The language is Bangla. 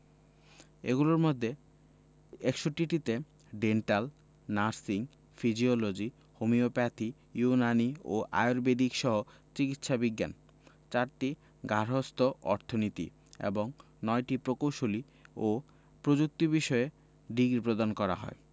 এগুলোর মধ্যে ৬১টিতে dental nursing physiology homeopathy Unani ও আর্য়ুবেদিকসহ চিকিৎসা বিজ্ঞান ৪টি গার্হস্থ্য অর্থনীতি এবং ৯টি প্রকৌশল ও প্রযুক্তি বিষয়ে ডিগ্রি প্রদান করা হয়